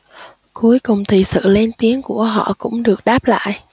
cuối cùng thì sự lên tiếng của họ cũng được đáp lại